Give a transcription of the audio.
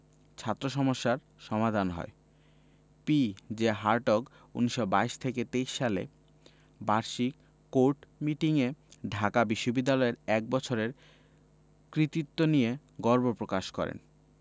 ছাত্র সমস্যার সমাধান হয় পি.জে হার্টগ ১৯২২ ২৩ সালে বার্ষিক কোর্ট মিটিং এ ঢাকা বিশ্ববিদ্যালয়ের এক বছরের কৃতিত্ব নিয়ে গর্ব প্রকাশ করেন